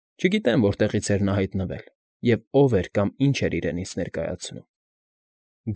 Չգիտեմ որտեղից էր նա հայտնվել և ով էր կամ ինչ էր իրենից ներկայացնում։